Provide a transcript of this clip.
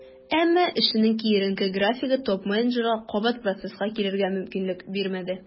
Әмма эшенең киеренке графигы топ-менеджерга кабат процесска килергә мөмкинлек бирмәде.